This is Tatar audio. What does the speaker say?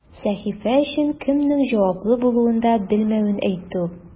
Сәхифә өчен кемнең җаваплы булуын да белмәвен әйтте ул.